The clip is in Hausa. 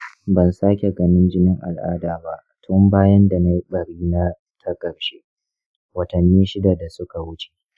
ban sake ganin jinin al’ada ba tun bayan da na yi ɓari na ta ƙarshe watanni shida da suka wuce.